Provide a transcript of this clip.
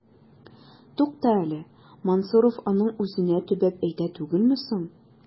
Тукта әле, Мансуров аның үзенә төбәп әйтә түгелме соң? ..